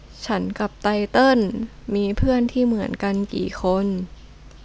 ฉันกับไตเติ้ลมีเพื่อนที่เหมือนกันกี่คน